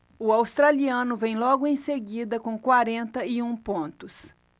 o australiano vem logo em seguida com quarenta e um pontos